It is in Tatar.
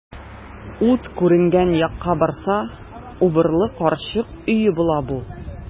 Ут күренгән якка барса, убырлы карчык өе була бу.